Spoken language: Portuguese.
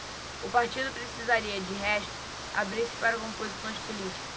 o partido precisaria de resto abrir-se para composições políticas